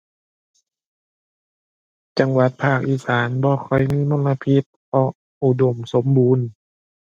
จังหวัดภาคอีสานบ่ค่อยมีมลพิษ เพราะอุดมสมบูรณ์